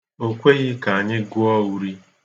O kweghị ka anyi gụọ uri.